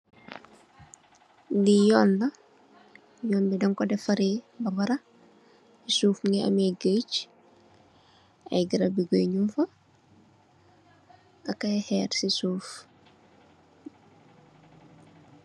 Lii yon la, yon bii dankoh defarreh babara, chi suff mungy ameh geudggh, aiiy garabi weughh njung fa ak aiiy kherre cii suff.